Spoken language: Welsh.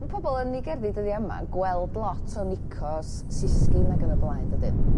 Ma' pobol yn 'i gerddi dyddia yma gweld lot o na o'n n'w o blaen dydyn?